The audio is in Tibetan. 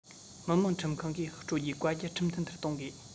མི དམངས ཁྲིམས ཁང གིས སྤྲོད རྒྱུའི བཀའ རྒྱ ཁྲིམས མཐུན ལྟར གཏོང དགོས